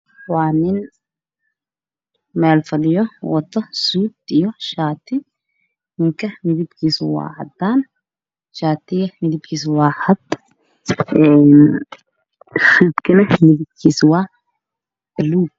Waa nin meel wadao fadhiyo suud io shaati ninka midibkisa waa cadan shaati midibkisa waaa cada suud ka neh midibkisa waaa baluug